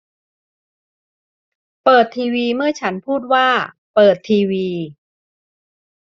เปิดทีวีเมื่อฉันพูดว่าเปิดทีวี